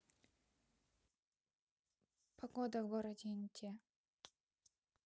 погода в городе инте